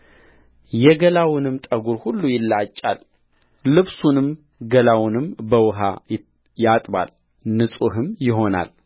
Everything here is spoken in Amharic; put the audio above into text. የገላውንም ጠጕር ሁሉ ይላጫል ልብሱንም ገላውንም በውኃ ያጥባል ንጹሕም ይሆናል